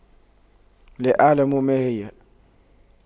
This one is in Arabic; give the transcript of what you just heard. لا أعلم ماهي